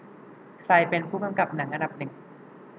ใครเป็นผู้กำกับหนังอันดับหนึ่ง